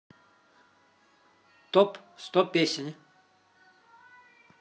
топ сто песни